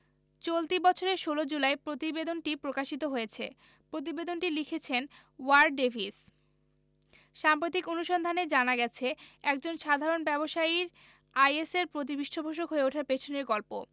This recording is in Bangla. চলতি বছরের ১৬ জুলাই প্রতিবেদনটি প্রকাশিত হয়েছে প্রতিবেদনটি লিখেছেন ওয়্যার ডেভিস সাম্প্রতিক অনুসন্ধানে জানা গেছে একজন সাধারণ ব্যবসায়ীর আইএসের পৃষ্ঠপোষক হয়ে ওঠার পেছনের গল্প